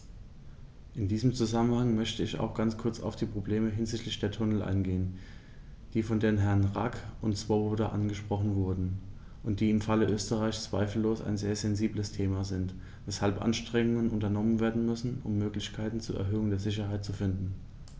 In diesem Zusammenhang möchte ich auch ganz kurz auf die Probleme hinsichtlich der Tunnel eingehen, die von den Herren Rack und Swoboda angesprochen wurden und die im Falle Österreichs zweifellos ein sehr sensibles Thema sind, weshalb Anstrengungen unternommen werden müssen, um Möglichkeiten zur Erhöhung der Sicherheit zu finden.